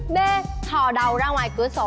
bê thò đầu ra ngoài cửa sổ